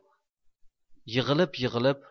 yig'ilib yig'ilib